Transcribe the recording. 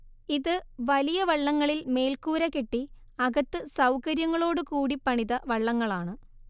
ഇത് വലിയ വള്ളങ്ങളിൽ മേൽക്കൂര കെട്ടി അകത്ത് സൗകര്യങ്ങളോട് കൂടി പണിത വള്ളങ്ങളാണ്